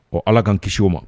O ala ka kisi o ma